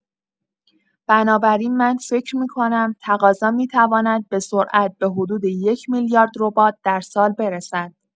بنابراین من فکر می‌کنم تقاضا می‌تواند به‌سرعت به حدود ۱ میلیارد ربات در سال برسد.